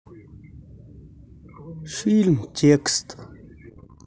фильм текст